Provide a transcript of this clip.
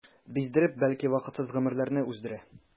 Биздереп, бәлки вакытсыз гомерләрне өздерә.